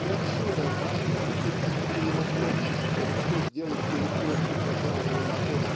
И отсюда в нашей характеристике его творчества легко сделать переход к указанию на то